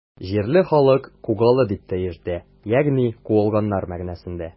Җирле халык Кугалы дип тә йөртә, ягъни “куылганнар” мәгънәсендә.